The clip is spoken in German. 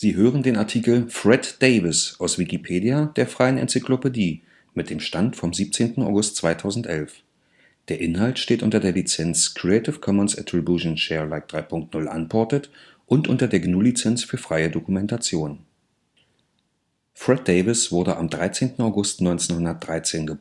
hören den Artikel Fred Davis, aus Wikipedia, der freien Enzyklopädie. Mit dem Stand vom Der Inhalt steht unter der Lizenz Creative Commons Attribution Share Alike 3 Punkt 0 Unported und unter der GNU Lizenz für freie Dokumentation. Fred Davis Geburtstag 13 August 1913 Geburtsort Chesterfield Sterbedatum 16. April 1998 Sterbeort Denbighshire Nationalität England England Profi 1929 – 1992 Main-Tour-Erfolge Weltmeisterschaften 8 Weltranglistenplatzierungen Höchster WRL-Platz 4 Fred Davis (* 13. August 1913; †